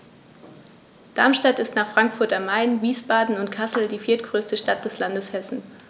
Darmstadt ist nach Frankfurt am Main, Wiesbaden und Kassel die viertgrößte Stadt des Landes Hessen